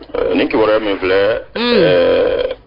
Ni kibaruya min filɛ ɛɛ